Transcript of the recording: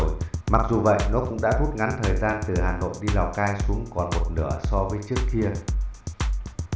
mặc dù vậy nó cũng đã rút ngắn thời gian từ hà nội đi lào cai xuống còn một nửa so với trước kia